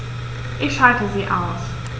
Ich schalte sie aus.